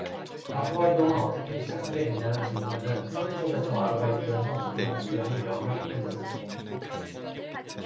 가수 활동은 어떻게 시작하게 됐냐는 질문에는 커피숍에서 아르바이트를 하던 도중 우연히 명함을 받게 됐어요